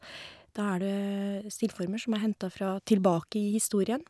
Da er det stilformer som er henta fra tilbake i historien.